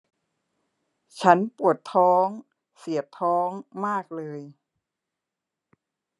ฉันปวดท้องเสียดท้องมากเลย